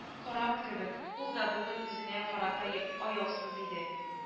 Кораб кебек, ул да бүген үзенә карата ая аяусыз иде